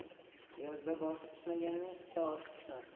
yozda boshi pishmaganning qishda oshi pishmas